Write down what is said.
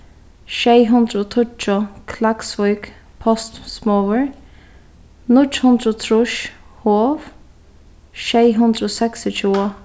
sjey hundrað og tíggju klaksvík postsmogur níggju hundrað og trýss hov sjey hundrað og seksogtjúgu